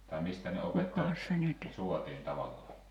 tai mistä ne opettajat saatiin tavallaan